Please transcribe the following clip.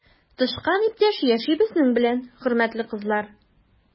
Тычкан иптәш яши безнең белән, хөрмәтле кызлар!